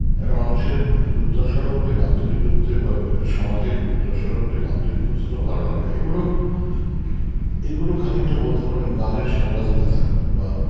একটা মানুষের দুর্দশার উপরে গান তৈরি করতে বা সমাজের দিকে দুর্দশার উপরে গান তৈরি করতে তো ভালো লাগে না এগুলো এগুলো খানিকটা বলতে পারেন গানের সাংবাদিকতা বা